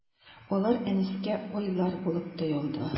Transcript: Алар Әнискә айлар булып тоелды.